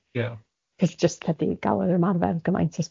Cos jyst chydi i gal yr ymarfer gymaint I suppose yym.